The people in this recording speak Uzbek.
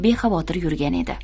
be xavotir yurgan edi